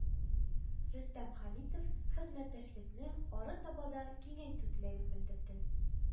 Рөстәм Хәмитов хезмәттәшлекне арытаба да киңәйтү теләген белдерде